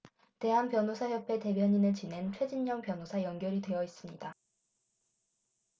대한변호사협회 대변인을 지낸 최진녕 변호사 연결이 되어 있습니다